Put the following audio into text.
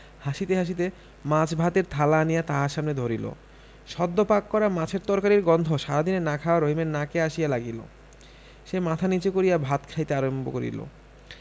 হাসিতে হাসিতে মাছ ভাতের থালা আনিয়া তাহার সামনে ধরিল সদ্য পাক করা মাছের তরকারির গন্ধ সারাদিনের না খাওয়া রহিমের নাকে আসিয়া লাগিল সে মাথা নীচু করিয়া ভাত খাইতে আরম্ভ করিল